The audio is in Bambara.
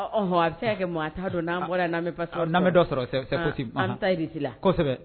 Ɔ a kɛ mɔgɔ t'a don' bɔra na n dɔ sɔrɔ anyi la kosɛbɛ